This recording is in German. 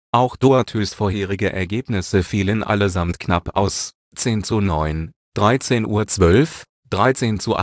Auch Dohertys vorherige Ergebnisse fielen allesamt knapp aus (10:9, 13:12, 13:8, 17:16